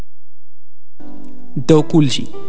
توكوشي